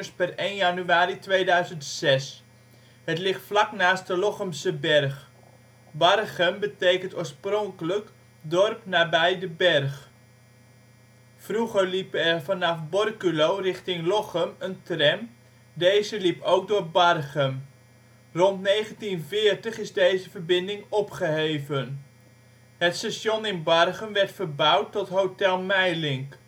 1 januari 2006). Het ligt vlak naast de Lochemse Berg. Barchem betekent oorspronkelijk ' Dorp naarbij de Berg ' Vroeger liep er vanaf Borculo richting Lochem een tram, deze liep ook door Barchem. Rond 1940 is deze verbinding opgeheven. Het station in Barchem werd verbouwd tot ' Hotel Meilink